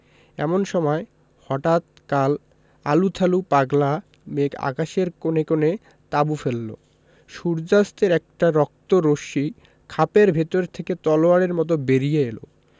এমন সময় হঠাৎ কাল আলুথালু পাগলা মেঘ আকাশের কোণে কোণে তাঁবু ফেললো সূর্য্যাস্তের একটা রক্ত রশ্মি খাপের ভেতর থেকে তলোয়ারের মত বেরিয়ে এল